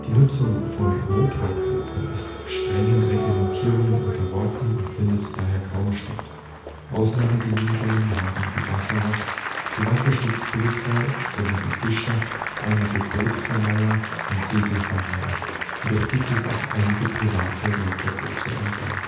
Nutzung von Motorbooten ist strengen Reglementierungen unterworfen und findet daher kaum statt, Ausnahmegenehmigungen haben die Wasserwacht, die Wasserschutzpolizei sowie die Fischer, einige Bootsverleiher und Segelvereine. Jedoch gibt es auch einige private Motorboote am See